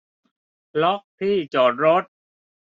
ล็อคที่จอดรถ